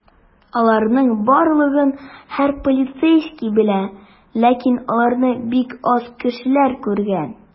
Аларның барлыгын һәр полицейский белә, ләкин аларны бик аз кешеләр күргән.